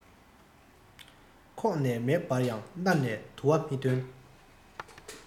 ཁོག ནས མེ འབར ཡང སྣ ནས དུ བ མི ཐོན